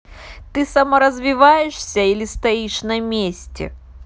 ты саморазвиваешься или стоишь на месте